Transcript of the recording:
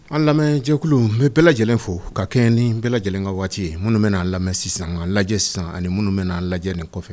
An lamɛnjɛkulu bɛ bɛɛ lajɛlen fo ka kɛ ni bɛɛ lajɛlen ka waati ye minnu bɛ a lamɛn sisan lajɛ sisan ani minnu bɛnaa lajɛ nin kɔfɛ